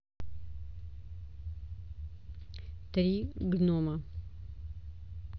три гнома